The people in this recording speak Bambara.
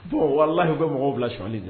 Don walala u bɛ mɔgɔw bila sli dɛ